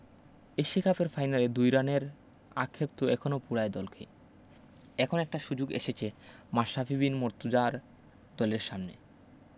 Asia কাপের ফাইনালের সেই ২ রানের আক্ষেপ তো এখনো পুড়ায় দলকে এখন একটা সুযোগ এসেছে মাশরাফি বিন মুর্তজার দলের সামনে